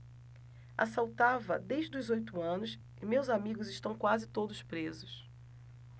assaltava desde os oito anos e meus amigos estão quase todos presos